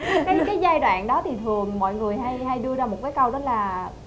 cái cái giai đoạn đó thì thường mọi người hay hay đưa ra một cái câu đó là